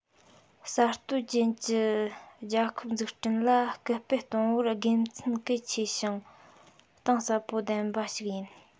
གསར གཏོད ཅན གྱི རྒྱལ ཁབ འཛུགས སྐྲུན ལ སྐུལ སྤེལ གཏོང བར དགེ མཚན གལ ཆེ ཞིང གཏིང ཟབ པོ ལྡན པ ཞིག ཡིན